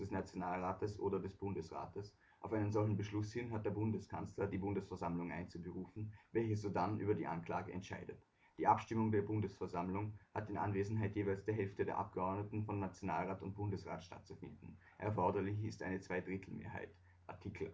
Nationalrates oder des Bundesrates; auf einen solchen Beschluss hin hat der Bundeskanzler die Bundesversammlung einzuberufen, welche sodann über die Anklage entscheidet. Die Abstimmung der Bundesversammlung hat in Anwesenheit jeweils der Hälfte der Abgeordneten von Nationalrat und Bundesrat stattzufinden; erforderlich ist eine zwei Drittel-Mehrheit (Art. 68